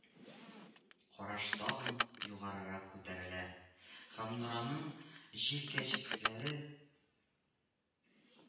Караш тагын югарырак күтәрелә һәм Нораның җилкәчекләре